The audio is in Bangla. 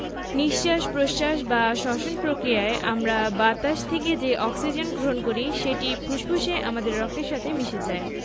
নিঃশ্বাস প্রশ্বাস বা শ্বসন প্রক্রিয়ায় আমরা বাতাস থেকে যে অক্সিজেন গ্রহণ করি সেটি ফুসফুসে আমাদের রক্তের সাথে মিশে যায়